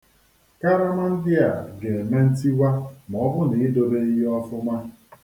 Karama ndị a ga-eme ntiwa ma ọ bụrụ na i dobeghị ya ọfụma.